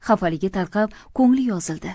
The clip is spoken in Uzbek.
xafaligi tarqab ko'ngli yozildi